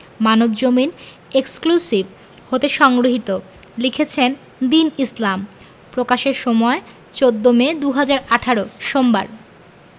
Manabzamin exclusive হতে সংগৃহীত লিখেছেনঃ দীন ইসলাম প্রকাশের সময় ১৪ মে ২০১৮ সোমবার